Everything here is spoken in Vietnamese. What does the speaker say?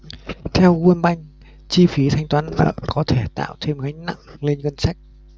theo world bank chi phí thanh toán nợ có thể tạo thêm gánh nặng lên ngân sách